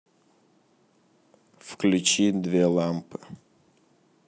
включи все лампы